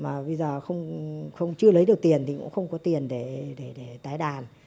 mà bây giờ không không chưa lấy được tiền thì cũng không có tiền để để để tái đàn